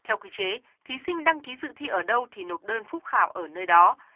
theo quy chế thí sinh đăng ký dự thi ở đâu thì nộp đơn phúc khảo ở nơi đó